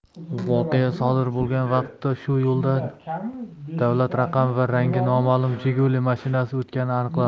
voqea sodir bo'lgan vaqtda shu yo'ldan davlat raqami va rangi noma'lum jiguli mashinasi o'tgani aniqlandi